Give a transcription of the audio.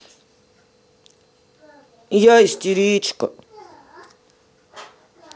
я истеричка